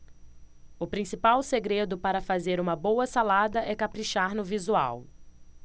o principal segredo para fazer uma boa salada é caprichar no visual